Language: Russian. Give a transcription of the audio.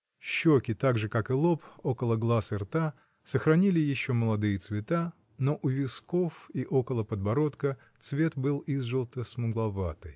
Щеки, так же как и лоб, около глаз и рта сохранили еще молодые цвета, но у висков и около подбородка цвет был изжелта-смугловатый.